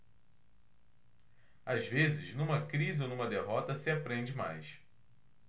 às vezes numa crise ou numa derrota se aprende mais